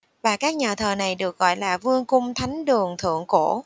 và các nhà thờ này được gọi là vương cung thánh đường thượng cổ